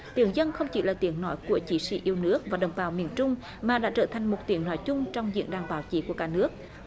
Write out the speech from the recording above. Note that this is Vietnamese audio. tiếng dân không chỉ là tiếng nói của chiến sĩ yêu nước và đồng bào miền trung mà đã trở thành một tiếng nói chung trong diễn đàn báo chí của cả nước